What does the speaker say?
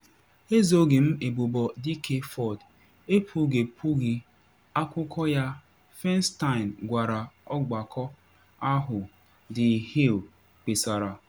“Ezoghi m ebubo Dk. Ford, ekpughepughi akụkọ ya,” Feinstein gwara ọgbakọ ahụ, The Hill kpesara.